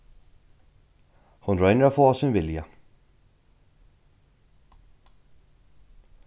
hon roynir at fáa sín vilja